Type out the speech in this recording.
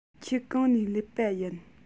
ཁྱེད གང ནས སླེབས པ ཡིན